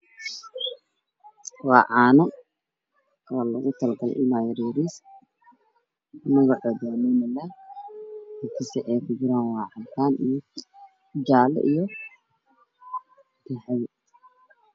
Waa kasac caano waxaa loogu talagalay ilmaha yaryarka midabkoodu waa caddaysi qaxwi magacoodu waa nunac